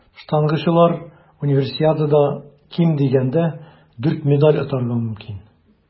Штангачылар Универсиадада ким дигәндә дүрт медаль отарга мөмкин.